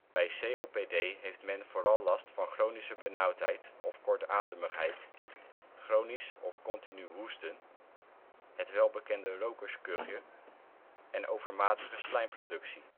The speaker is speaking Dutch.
Bij COPD heeft men vooral last van chronische benauwdheid/kortademigheid, chronisch (continu) hoesten, het welbekende rokerskuchje, en overmatige slijmproductie